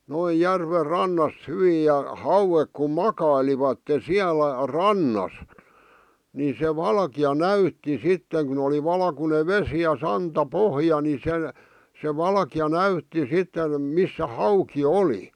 noin järven rannassa hyvin ja hauet kun makailivat siellä rannassa niin se valkea näytti sitten kun oli valkoinen vesi ja santapohja niin se se valkea näytti sitten missä hauki oli